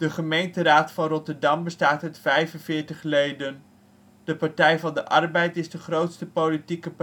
gemeenteraad van Rotterdam bestaat uit 45 leden. De Partij van de Arbeid is de grootste politieke